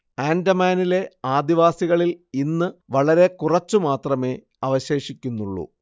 ആൻഡമാനിലെ ആദിവാസികളിൽ ഇന്ന് വളരെക്കുറച്ചുമാത്രമേ അവശേഷിക്കുന്നുള്ളൂ